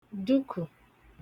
dụkụ̀